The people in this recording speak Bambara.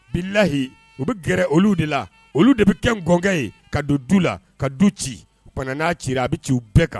Bi layihi u bɛ gɛrɛ olu de la olu de bɛ kɛ n gɔnkɛ ye ka don du la ka du ci p n'a ci a bɛ ci u bɛɛ kan